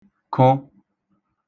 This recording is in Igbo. k̇ụ